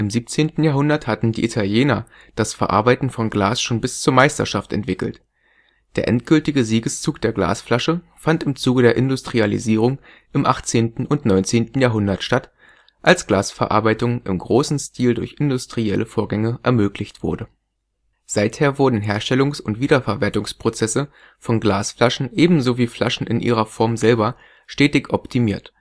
17. Jahrhundert hatten die Italiener das Verarbeiten von Glas schon bis zur Meisterschaft entwickelt. Der endgültige Siegeszug der Glasflasche fand im Zuge der Industrialisierung im 18. und 19. Jahrhundert statt, als Glasverarbeitung im großen Stil durch industrielle Vorgänge ermöglicht wurde. Seither wurden Herstellungs - und Wiederverwertungsprozesse von Glasflaschen ebenso wie Flaschen in ihrer Form selber stetig optimiert